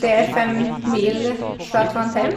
Det er fem mil fra Trondheim.